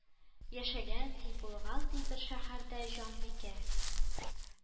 Яшәгән ди, булган ди, бер шәһәрдә җанбикә